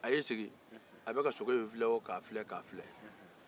a y'i sigi a bɛka sogo in filɛ o k'a filɛ